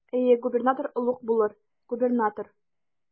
Әйе, губернатор олуг булыр, губернатор.